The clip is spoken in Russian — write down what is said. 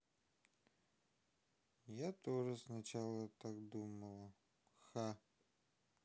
я тоже сначала так думала ха